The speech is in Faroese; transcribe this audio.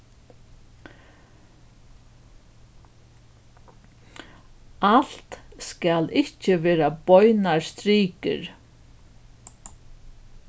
alt skal ikki vera beinar strikur